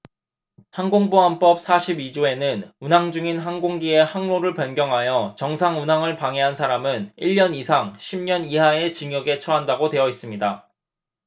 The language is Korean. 항공보안법 사십 이 조에는 운항중인 항공기의 항로를 변경하여 정상 운항을 방해한 사람은 일 년 이상 십 년 이하의 징역에 처한다고 되어 있습니다